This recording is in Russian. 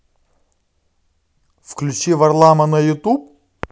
включи варлама на ютуб